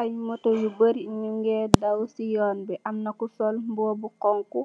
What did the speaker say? Aye moto yu bori nyungee daw si yoon bi, amna ku sol mbuba bu xonxu,